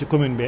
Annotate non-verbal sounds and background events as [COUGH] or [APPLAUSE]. [HESITATION] [HESITATION]